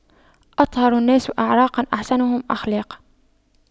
أطهر الناس أعراقاً أحسنهم أخلاقاً